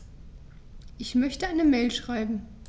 Ich möchte eine Mail schreiben.